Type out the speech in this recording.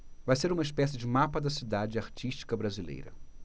vai ser uma espécie de mapa da cidade artística brasileira